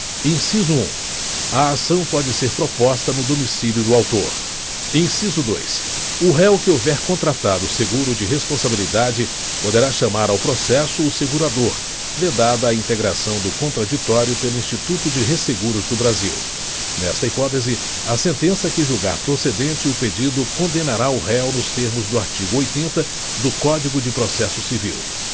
inciso um a ação pode ser proposta no domicílio do autor inciso dois o réu que houver contratado seguro de responsabilidade poderá chamar ao processo o segurador vedada a integração do contraditório pelo instituto de resseguros do brasil nesta hipótese a sentença que julgar procedente o pedido condenará o réu nos termos do artigo oitenta do código de processo civil